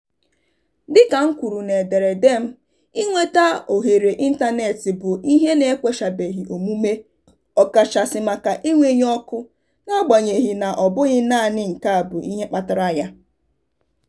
Dịka m kwuru n'ederede m [Fr], ịnweta ohere ịntanetị bụ ihe n'ekwechabeghị omume ọkachasị maka enweghị ọkụ n'agbanyeghị na ọbụghị naanị nke a bụ ihe kpatara ya.